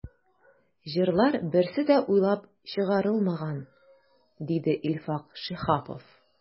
“җырлар берсе дә уйлап чыгарылмаган”, диде илфак шиһапов.